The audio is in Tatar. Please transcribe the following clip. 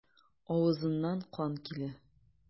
Авызыннан кан килә.